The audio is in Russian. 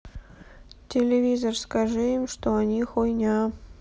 телевизор скажи им что они хуйня